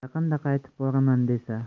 yaqinda qaytib boraman desa